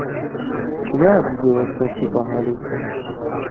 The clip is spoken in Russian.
я обиделась на типа алиса